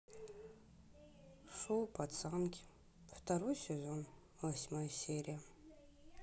шоу пацанки второй сезон восьмая серия